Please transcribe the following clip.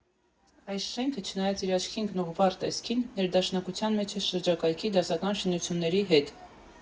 Այս շենքը, չնայած իր աչքի ընկնող վառ տեսքին, ներդաշնակության մեջ է շրջակայքի դասական շինությունների հետ։